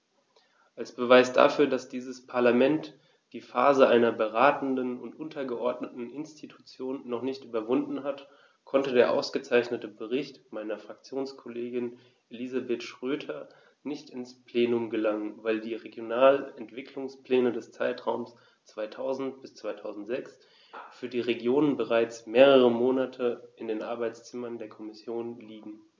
Als Beweis dafür, dass dieses Parlament die Phase einer beratenden und untergeordneten Institution noch nicht überwunden hat, konnte der ausgezeichnete Bericht meiner Fraktionskollegin Elisabeth Schroedter nicht ins Plenum gelangen, weil die Regionalentwicklungspläne des Zeitraums 2000-2006 für die Regionen bereits mehrere Monate in den Arbeitszimmern der Kommission liegen.